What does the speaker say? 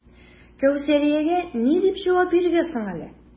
Кәүсәриягә ни дип җавап бирергә соң әле?